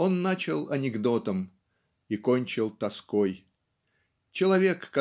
Он начал анекдотом и кончил тоской. Человек